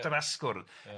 At yr asgwrn. Ia.